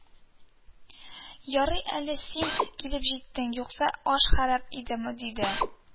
Ñ ярый әле син килеп җиттең, юкса эш харап иде, диде